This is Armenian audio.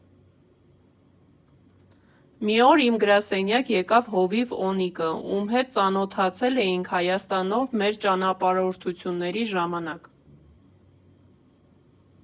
«Մի օր իմ գրասենյակ եկավ հովիվ Օնիկը, ում հետ ծանոթացել էինք Հայաստանով մեր ճանապարհորդությունների ժամանակ։